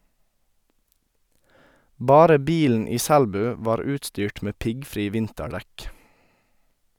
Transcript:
Bare bilen i Selbu var utstyrt med piggfri vinterdekk.